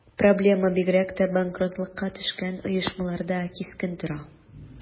Проблема бигрәк тә банкротлыкка төшкән оешмаларда кискен тора.